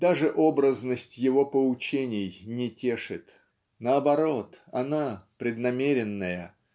Даже образность его поучений не тешит, наоборот она преднамеренная